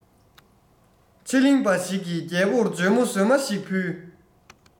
ཕྱི གླིང པ ཞིག གིས རྒྱལ པོར འཇོལ མོ བཟོས མ ཞིག ཕུལ